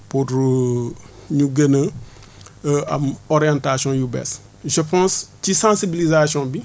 pour ñu gën a am orientation yu bees je pense ci sensibilisation bi